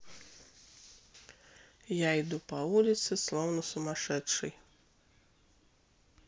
я иду по улице словно сумасшедший